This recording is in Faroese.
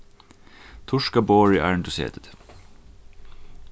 turka borðið áðrenn tú setur teg